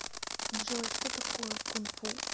джой что такое кунг фу